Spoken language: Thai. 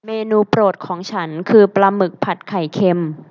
เมนูโปรดของฉันคือปลาหมึกผัดไข่เค็ม